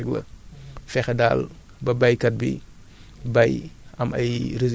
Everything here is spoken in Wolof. ñu ngi fi ku ci mel ni INP ak yeneen services yu nga xamante ni ñoom seen liggéey